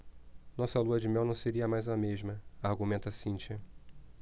nossa lua-de-mel não seria mais a mesma argumenta cíntia